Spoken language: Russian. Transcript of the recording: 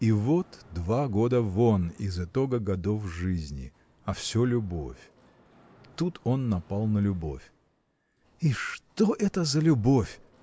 – и вот два года вон из итога годов жизни – а все любовь! Тут он напал на любовь. И что это за любовь!